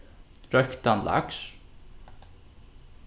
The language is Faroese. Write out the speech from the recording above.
royktan laks